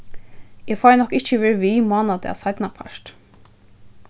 eg fái nokk ikki verið við mánadag seinnapart